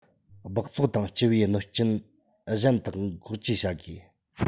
སྦགས བཙོག དང སྦྱི པའི གནོད རྐྱེན གཞན དག འགོག བཅོས བྱ དགོས